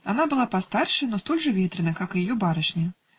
она была постарше, но столь же ветрена, как и ее барышня.